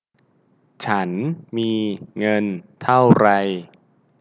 ฉันมีเงินเท่าไร